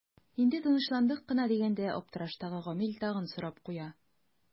Инде тынычландык кына дигәндә аптыраштагы Гамил тагын сорап куя.